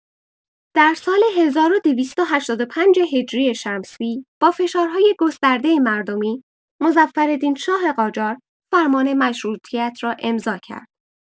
در سال ۱۲۸۵ هجری شمسی با فشارهای گسترده مردمی، مظفرالدین‌شاه قاجار فرمان مشروطیت را امضا کرد.